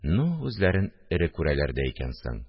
Ну үзләрен эре күрәләр дә икән соң